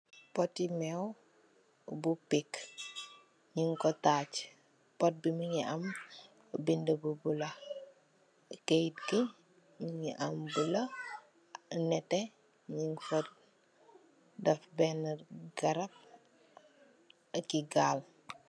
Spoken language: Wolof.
poti mew bu peak nyungko taag pot bi Mungi am bindi bu blue keit gi Mungi am blue ak neteh nyungfa def bena garab aki gal